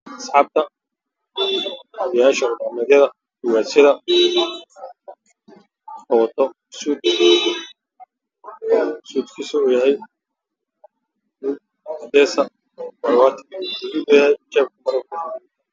Asxaabta odayaasha ugaasyad wato suud cadees ah